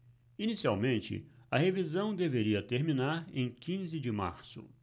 inicialmente a revisão deveria terminar em quinze de março